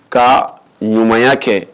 Ka ɲumanya kɛ